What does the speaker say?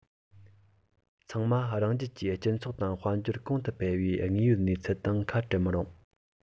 ཚང མ རང རྒྱལ གྱི སྤྱི ཚོགས དང དཔལ འབྱོར གོང དུ འཕེལ བའི དངོས ཡོད གནས ཚུལ དང ཁ བྲལ མི རུང